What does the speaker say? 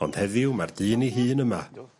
Ond heddiw ma'r dyn 'i hun yma.